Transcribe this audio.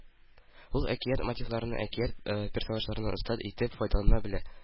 Ул әкият мотивларыннан, әкият персонажларыннан оста итеп файдалана белә